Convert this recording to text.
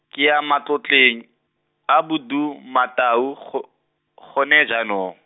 ke a matlotleng, a Bodumatau go, gone jaanong.